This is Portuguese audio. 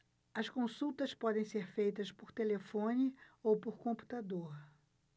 as consultas podem ser feitas por telefone ou por computador